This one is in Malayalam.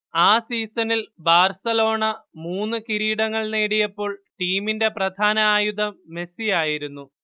ആ സീസണിൽ ബാർസലോണ മൂന്ന് കിരീടങ്ങൾ നേടിയപ്പോൾ ടീമിന്റെ പ്രധാന ആയുധം മെസ്സി ആയിരുന്നു